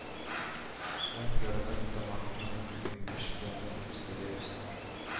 Уң ярына тамагыннан егерме өч километр өстәрәк